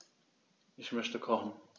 Ich möchte kochen.